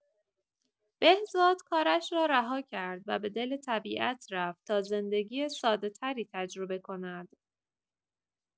بهزاد کارش را رها کرد و به دل طبیعت رفت تا زندگی ساده‌‌تری تجربه کند.